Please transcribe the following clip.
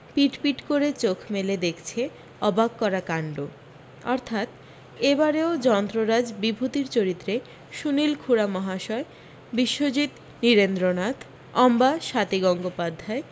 পিট পিট করে চোখ মেলে দেখছে অবাক করা কাণড অর্থাৎ এ বারেও যন্ত্ররাজ বিভূতীর চরিত্রে সুনীল খুড়ামহাশয় বিশ্বজিত নীরেন্দ্রনাথ অম্বা স্বাতী গঙ্গোপাধ্যায়